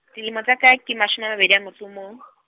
dilemo tsa kae ke mashome a mabedi a motso o mong .